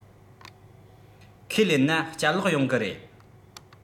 ཁས ལེན ན བསྐྱར ལོག ཡོང གི རེད